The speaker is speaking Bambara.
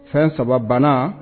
Fɛn saba banna